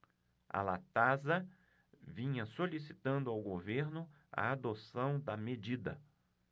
a latasa vinha solicitando ao governo a adoção da medida